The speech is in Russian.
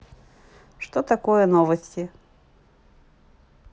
что такое новости